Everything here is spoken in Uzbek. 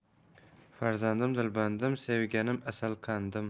farzandim dilbandim sevganim asal qandim